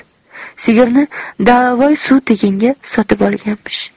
sigirni dalavoy suv tekinga sotib olganmish